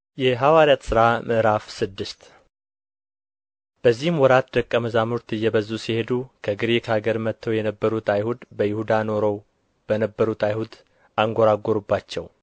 የሐዋርያት ሥራ ምዕራፍ ስድስት በዚህም ወራት ደቀ መዛሙርት እየበዙ ሲሄዱ ከግሪክ አገር መጥተው የነበሩት አይሁድ በይሁዳ ኖረው በነበሩት አይሁድ አንጐራጐሩባቸው